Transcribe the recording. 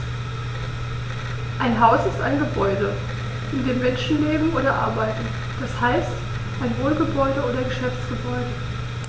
Ein Haus ist ein Gebäude, in dem Menschen leben oder arbeiten, d. h. ein Wohngebäude oder Geschäftsgebäude.